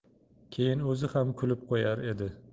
keyin o'zi ham kulib qo'yar edim